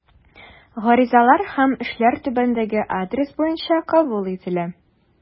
Гаризалар һәм эшләр түбәндәге адрес буенча кабул ителә.